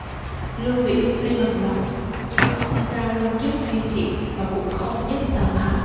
lưu biểu tuy bằng lòng nhưng không ra quân giúp viên thiệu và cũng không giúp tào tháo